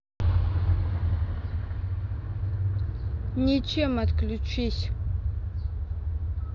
ничем отключись